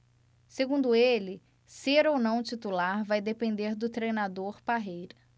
segundo ele ser ou não titular vai depender do treinador parreira